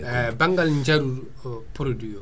banggal jaaru produit o